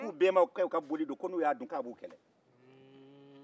k'u bɛnbakɛw ka boli don ko n'u y'a dun k'a b'u kɛlɛ